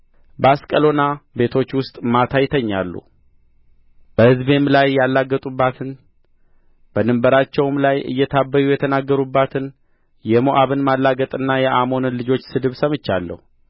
በአስቀሎና ቤቶች ውስጥ ማታ ይተኛሉ በሕዝቤም ላይ ያላገጡባትን በድንበራቸውም ላይ እየታበዩ የተናገሩባትን የሞዓብን ማላገጥና የአሞንን ልጆች ስድብ ሰምቻለሁ